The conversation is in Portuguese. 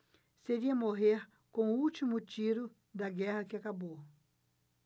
seria morrer com o último tiro da guerra que acabou